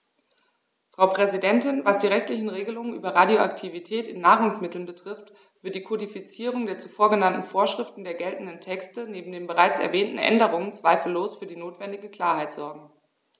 Frau Präsidentin, was die rechtlichen Regelungen über Radioaktivität in Nahrungsmitteln betrifft, wird die Kodifizierung der zuvor genannten Vorschriften der geltenden Texte neben den bereits erwähnten Änderungen zweifellos für die notwendige Klarheit sorgen.